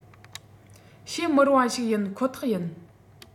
བྱེད མི རུང བ ཞིག ཡིན ཁོ ཐག ཡིན